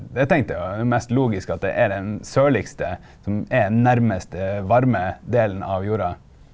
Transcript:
det tenkte jeg jo det mest logisk at det er den sørligste, som er nærmest det varme delen av jorda.